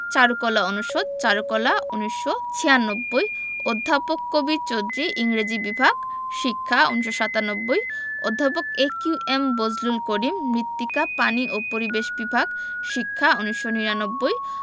চারুকলা অনুষদ চারুকলা ১৯৯৬ অধ্যাপক কবীর চৌধুরী ইংরেজি বিভাগ শিক্ষা ১৯৯৭ অধ্যাপক A Q M Bazlul Karim মৃত্তিকা পানি ও পরিবেশ বিভাগ শিক্ষা ১৯৯৯